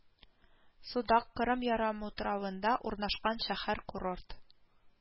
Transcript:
Судакъ Кырым ярымутравында урнашкан шәһәр-курорт